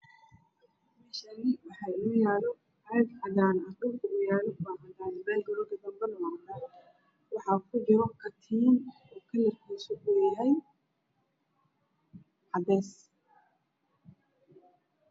Meshani waxa noyaalo cagcada ah dhulku uyaalo waacadan bag gakadabeyo waacadan waxakujira katin okalarkiisu yahay cades